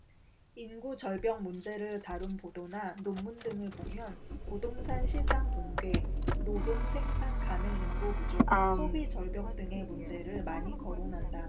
인구절벽 문제를 다룬 보도나 논문 등을 보면 부동산시장 붕괴 노동생산 가능인구 부족 소비절벽 등의 문제를 많이 거론한다